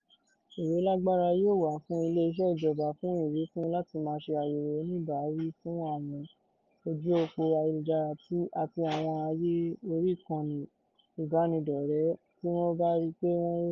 Ìrólágbára yóò wà fún Ilé-iṣẹ́ ìjọba fún Ìwífún láti máa ṣe àyẹ̀wò oníbàáwí fún àwọn ojú òpó ayélujára àti àwọn àyè orí ìkànnì ìbánidọ́rẹ̀ẹ́ tí wọ́n bá ríi pé wọ́n rúfin.